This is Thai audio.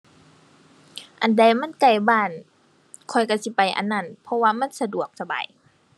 อันใดมันใกล้บ้าน ข้อยก็สิไปอันนั้น เพราะว่ามันสะดวกสบาย